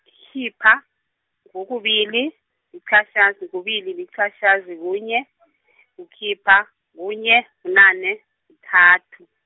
khipha, ngu kubili, yiqatjhazi, kubili, liqatjhazi, kunye , ngukhipha, kunye, bunane, kuthathu.